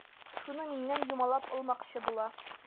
Шуны миннән юмалап алмакчы була.